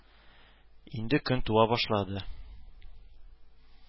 Инде көн туа башлады